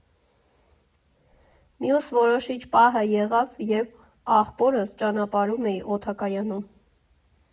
Մյուս որոշիչ պահը եղավ, երբ ախպորս ճանապարհում էի օդակայանում։